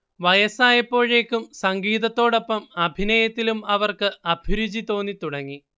വയസ്സായപ്പോഴേയ്ക്കും സംഗീതത്തോടോപ്പം അഭിനയത്തിലും അവർക്ക് അഭിരുചി തോന്നിത്തുടങ്ങി